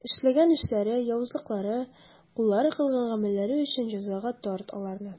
Эшләгән эшләре, явызлыклары, куллары кылган гамәлләре өчен җәзага тарт аларны.